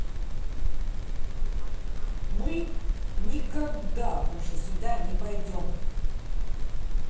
мы никогда больше сюда не пойдем